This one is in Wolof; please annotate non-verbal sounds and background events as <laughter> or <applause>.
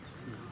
<hesitation> <hesitation>